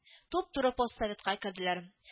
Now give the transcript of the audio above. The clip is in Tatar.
Туп-туры поссоветка керделәр